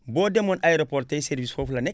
boo demoon aéroport tey service foofu la ne